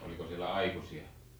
oliko siellä aikuisia